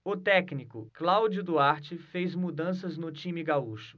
o técnico cláudio duarte fez mudanças no time gaúcho